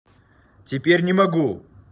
терпеть не могу